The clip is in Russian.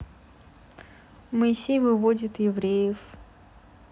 моисей выводит евреев